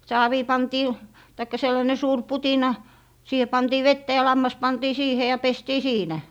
saaviin pantiin tai sellainen suuri putina siihen pantiin vettä ja lammas pantiin siihen ja pestiin siinä